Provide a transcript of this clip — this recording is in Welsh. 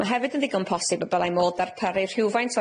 Ma' hefyd yn digon posib y bydddai modd darparu rhywfaint